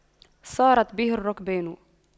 سارت به الرُّكْبانُ